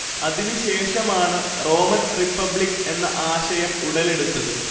അതിനു ശേഷമാണ് Roman republic എന്ന ആശയം ഉടലെടുത്തത്